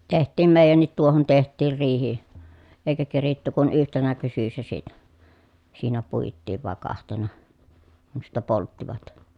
tehtiin meidänkin tuohon tehtiin riihi eikä keritty kuin yhtenä syksynä siinä siinä puitiin vai kahtena kun sitten polttivat